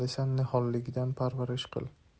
desang niholligidan parvarish qil